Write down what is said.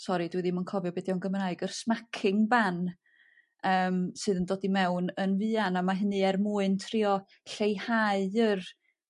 sori dwi ddim yn cofio be' 'di o yn Gymraeg yr smacking ban yym sydd yn dod i mewn yn fuan a ma' hynny er mwyn trio lleihau yr